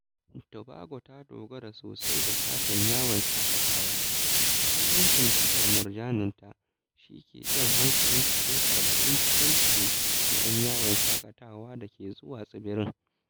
Tobago ta dogara sosai ga sashen yawon shaƙatawa, kallon shimfiɗar murjaninta shi ke jan hankalin kaso 40 cikin ɗari na 'yan yawon shaƙatawa da ke zuwa tsibirin.